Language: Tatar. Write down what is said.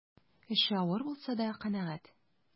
Эше авыр булса да канәгать.